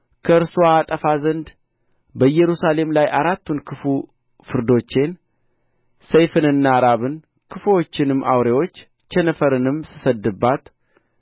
ከእርስዋ አጠፋ ዘንድ በኢየሩሳሌም ላይ አራቱን ክፉ ፍርዶቼን ሰይፍንና ራብን ክፉዎችንም አውሬዎች ቸነፈርንም ስሰድድባት